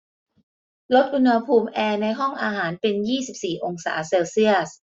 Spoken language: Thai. ลดอุณหภูมิแอร์ในห้องอาหารเป็นยี่สิบสี่องศาเซลเซียส